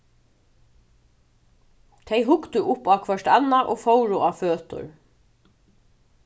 tey hugdu upp á hvørt annað og fóru á føtur